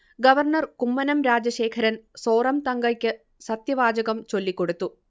governor Kummanam Rajasekharan സോറംതങ്കയ്ക്ക് സത്യവാചകം ചൊല്ലിക്കൊടുത്തു